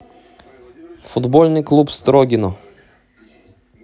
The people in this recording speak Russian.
футбольный клуб строгино